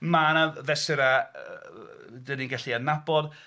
Mae 'na fesurau yy dan ni'n gallu adnabod